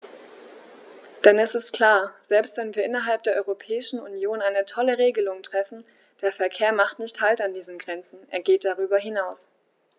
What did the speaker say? Denn es ist klar: Selbst wenn wir innerhalb der Europäischen Union eine tolle Regelung treffen, der Verkehr macht nicht Halt an diesen Grenzen, er geht darüber hinaus.